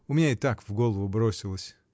У меня и так в голову бросилось.